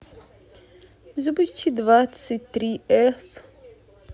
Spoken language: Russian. запусти двадцать три эф